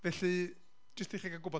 Felly, jyst i chi gael gwybod.